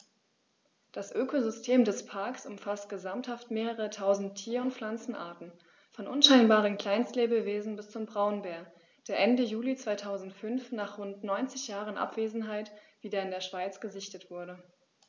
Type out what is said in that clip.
Das Ökosystem des Parks umfasst gesamthaft mehrere tausend Tier- und Pflanzenarten, von unscheinbaren Kleinstlebewesen bis zum Braunbär, der Ende Juli 2005, nach rund 90 Jahren Abwesenheit, wieder in der Schweiz gesichtet wurde.